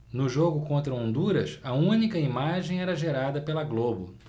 no jogo contra honduras a única imagem era gerada pela globo